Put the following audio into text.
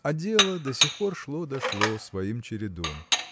А дело до сих пор шло да шло своим чередом.